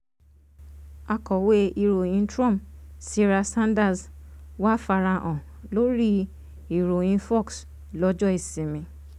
Àkọ̀wé ìròyǹ Trump, Sarah Sanders, wà farahàn lórí ìòyìn Fox l’ọ́jọ́ Ìsinmi.